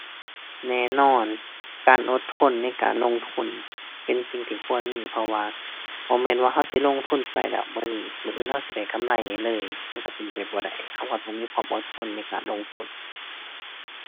แน่นอน การอดทนในการลงทุนเป็นสิ่งที่ควรมี เพราะว่าบ่แม่นว่าเราสิลงทุนไปแล้วมื้อนี้ มื้ออื่นเราสิได้กำไรเลย มันเราเป็นไปบ่ได้ เราฮอดบ่มีความอดทนในการลงทุน